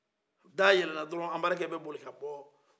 da yɛlɛla dɔrɔnw anbarike bɛ bolila ka bɔ